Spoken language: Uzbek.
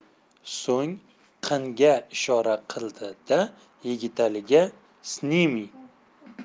so'ng qinga ishora qildi da yigitaliga snimi